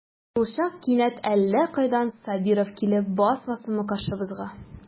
Шулчак кинәт әллә кайдан Сабиров килеп басмасынмы каршыбызга.